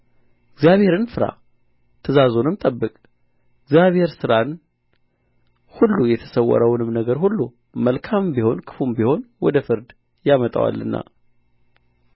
እግዚአብሔርን ፍራ ትእዛዙንም ጠብቅ እግዚአብሔር ሥራን ሁሉ የተሰወረውንም ነገር ሁሉ መልካምም ቢሆን ክፉም ቢሆን ወደ ፍርድ ያመጣዋልና